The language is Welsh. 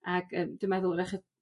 Ag yym dwi'n meddwl 'w'rach y